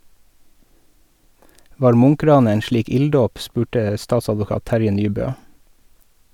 - Var Munch-ranet en slik ilddåp, spurte statsadvokat Terje Nybøe.